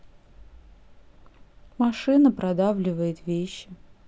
машина продавливает вещи